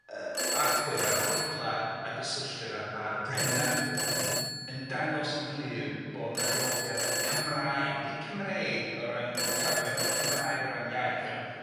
yy Arthur a'r chwedla a gysylltir a- a'r brenin Arthur... Hmm. yn dangos yn glir bod 'na drafodiad Cymraeg, nid Cymreig o ran tarddiad, ond Cymraeg o ran iaith. Ia.